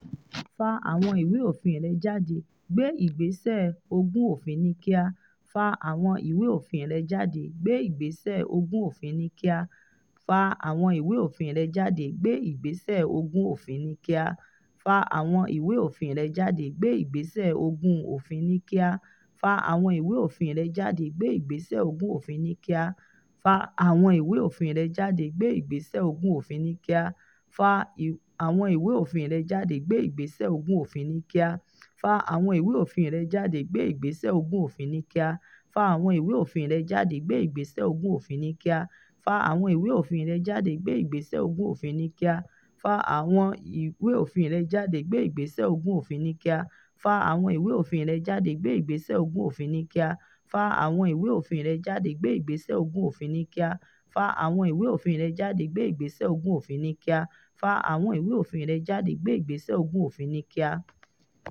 Fa àwọn ìwé òfin rẹ jáde: Gbe ìgbésẹ̀ ogun òfin ní kíá.